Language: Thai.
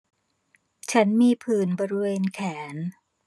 ฉันมีผื่นบริเวณแขน